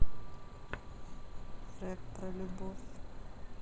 рэп про любовь